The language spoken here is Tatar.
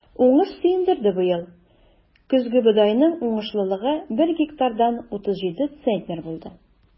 Уңыш сөендерде быел: көзге бодайның уңышлылыгы бер гектардан 37 центнер булды.